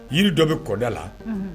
Yiri dɔ bɛ kɔda la